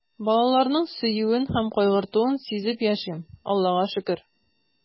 Балаларның сөюен һәм кайгыртуын сизеп яшим, Аллага шөкер.